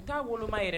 ta woloma yɛrɛ